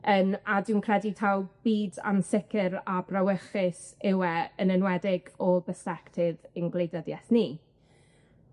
Yym a dwi'n credu taw byd ansicir a brawychus yw e, yn enwedig o bersbectif ein gwleidyddiaeth ni.